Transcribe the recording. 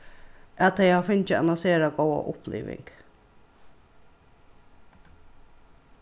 at tey hava fingið eina sera góða uppliving